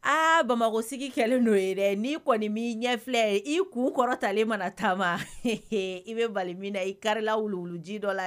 Aa bamakɔ sigi kɛlɛ n'o ye nii kɔniɔni min ɲɛ filɛ i k'u kɔrɔtalen mana taama i bɛ bali min na i kari wulu ji dɔ la